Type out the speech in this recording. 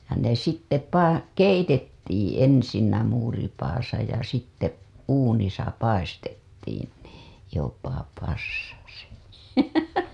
ja ne sitten - keitettiin ensin muuripadassa ja sitten uunissa paistettiin niin jopa passasi